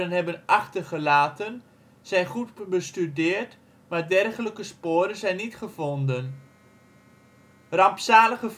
hebben achtergelaten zijn goed bestudeerd, maar dergelijke sporen zijn niet gevonden. Rampzalige